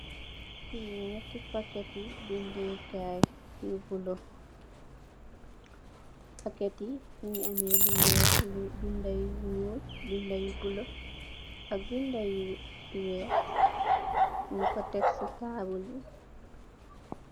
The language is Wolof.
Fii njehti packeti bindeh kaii yu bleu, packetii njungy ameh lu wekh, lu binda yu njull, binda yu bleu ak binda yu wekh, njung kor tek cii taabul bii.